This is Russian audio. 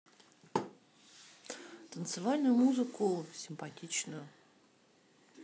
танцевальную музыку симпатичную